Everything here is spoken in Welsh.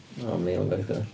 Hwnna'n mil gwaith gwell.